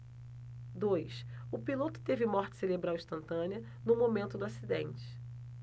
dois o piloto teve morte cerebral instantânea no momento do acidente